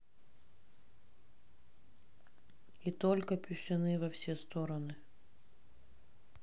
и только писюны во все стороны